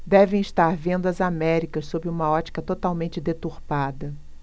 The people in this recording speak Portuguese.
devem estar vendo as américas sob uma ótica totalmente deturpada